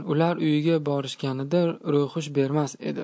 ular uyiga borishganida ro'yxush bermas edi